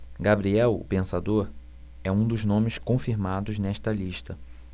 gabriel o pensador é um dos nomes confirmados nesta lista